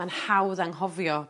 ma'n hawdd anghofio